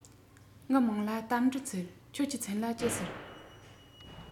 ངའི མིང ལ རྟ མགྲིན ཟེར ཁྱེད ཀྱི མཚན ལ ཅི ཟེར